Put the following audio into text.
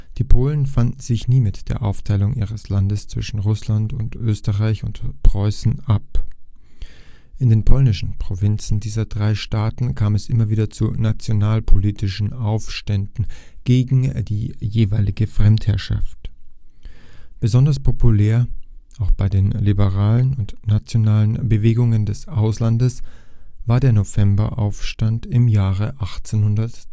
Die Polen fanden sich nie mit der Aufteilung ihres Landes zwischen Russland, Österreich und Preußen ab. In den polnischen Provinzen dieser drei Staaten kam es immer wieder zu nationalpolnischen Aufständen gegen die jeweilige Fremdherrschaft. Besonders populär – auch bei den liberalen und nationalen Bewegungen des Auslandes – war der Novemberaufstand im Jahre 1830